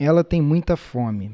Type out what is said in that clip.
ela tem muita fome